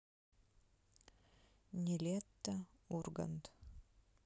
нилетто ургант